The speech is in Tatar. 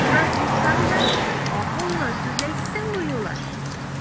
Дурак булсаң да, акыллы сүз әйттең бу юлы!